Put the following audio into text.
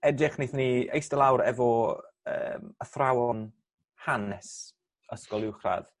edrych naethon ni eiste lawr efo yym athrawon hanes ysgol uwchradd